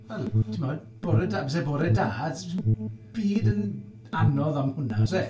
Wel, timod bore da... byse bore da... 'sdim byd yn anodd am hwnna, oes e.